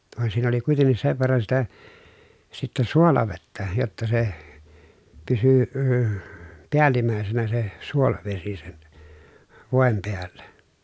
vaan siinä oli kuitenkin sen verran sitä sitten suolavettä jotta se pysyi - päällimmäisenä se suolavesi sen voin päällä